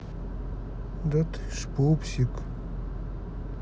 да ты ж пупсик